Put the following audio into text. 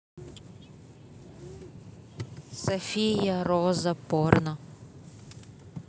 софия роза порно